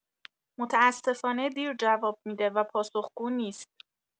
متاسفانه دیر جواب می‌ده و پاسخگو نیست.